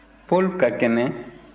paul ka kɛnɛ